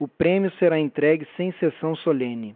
o prêmio será entregue sem sessão solene